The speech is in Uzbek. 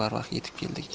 ancha barvaqt yetib keldik